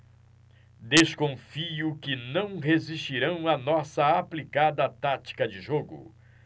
desconfio que não resistirão à nossa aplicada tática de jogo